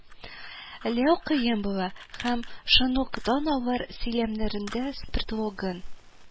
Ләү кыен була, һәм шунлыктан алар сөйләмнәрендә с предлогын